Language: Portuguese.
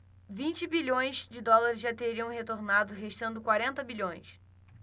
vinte bilhões de dólares já teriam retornado restando quarenta bilhões